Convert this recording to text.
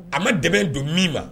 A ma dɛ don min ma